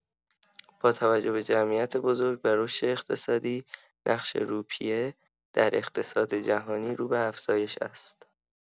با توجه به جمعیت بزرگ و رشد اقتصادی، نقش روپیه در اقتصاد جهانی رو به افزایش است.